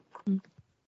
Hmm.